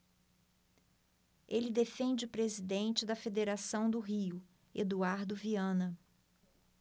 ele defende o presidente da federação do rio eduardo viana